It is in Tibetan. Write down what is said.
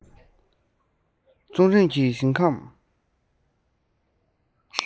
རྩོམ རིག གི ཞིང ཁམས